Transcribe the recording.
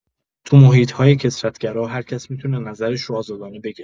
تو محیط‌های کثرت‌گرا، هر کسی می‌تونه نظرش رو آزادانه بگه.